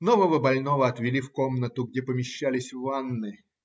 Нового больного отвели в комнату, где помещались ванны.